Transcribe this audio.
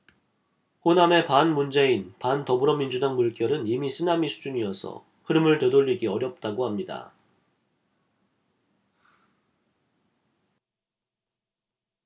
호남의 반문재인 반더불어민주당 물결은 이미 쓰나미 수준이어서 흐름을 되돌리기 어렵다고 합니다